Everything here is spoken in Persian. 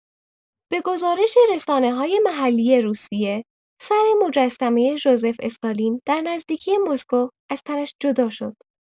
به گزارش رسانه‌های محلی روسیه، سر مجسمه ژوزف استالین در نزدیکی مسکو از تنش جدا شد.